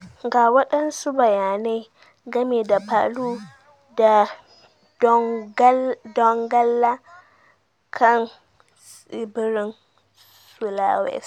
Ga wadansu bayanai game da Palu da Donggala, akan tsibirin Sulawesi: